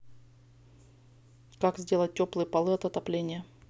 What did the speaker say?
как сделать теплые полы от отопления